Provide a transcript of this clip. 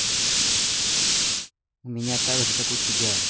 у меня так же как и у тебя